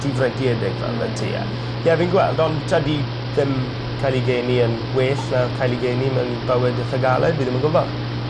difreintiedig fel wyt ti a... Hmm. ...ie fi'n gweld ond tydi ddim ca'l 'i geni yn well na ca'l 'i geni mewn i bywyd itha galed fi ddim yn gwbo.